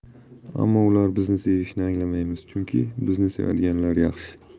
ammo ular bizni sevishini anglamaymiz chunki bizni sevadiganlar yaxshi